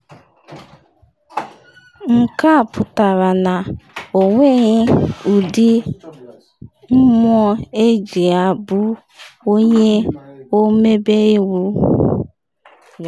“Nke a pụtara na ọ nweghị ụdị mmụọ eji a bụ Onye Ọmebe Iwu.